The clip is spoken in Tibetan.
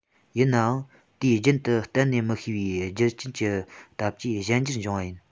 ཡིན ནའང དུས རྒྱུན དུ གཏན ནས མི ཤེས པའི རྒྱུ རྐྱེན གྱི སྟབས ཀྱིས གཞན འགྱུར བྱུང བ ཡིན